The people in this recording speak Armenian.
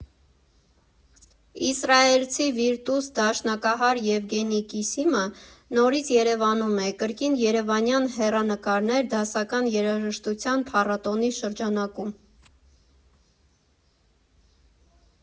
Իսրայելցի վիրտուզ դաշնակահար Եվգենի Կիսինը նորից Երևանում է՝ կրկին «Երևանյան հեռանկարներ» դասական երաժշտության փառատոնի շրջանակում։